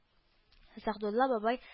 Сәгъдулла бабай